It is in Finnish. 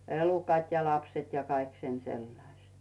elukat ja lapset ja kaikki sen sellaiset